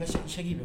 A ka segin don